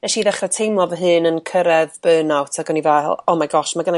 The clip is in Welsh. neshi ddechra' teimlo fy hun yn cyrr'edd burn out ag oni fel oh my gosh ma' gennai